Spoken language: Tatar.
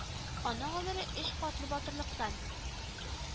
Аның гомере өч катлы батырлыктан